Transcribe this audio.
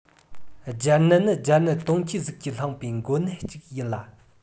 སྦྱར ནད ནི སྦྱར ནད དུང འཁྱིལ གཟུགས ཀྱིས བསླངས པའི འགོ ནད ཅིག ཡིན ལ